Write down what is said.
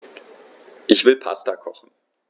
Ich will Pasta kochen.